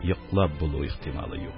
Йоклап булу ихтималы юк.